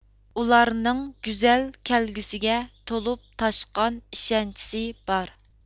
ئۇلارنىڭ گۈزەل كەلگۈسىگە تولۇپ تاشقان ئىشەنچسى بار